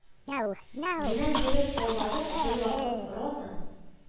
Генә йөреп калмадык, бервакыт роза